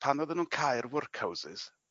pan oedden nw'n cau'r work houses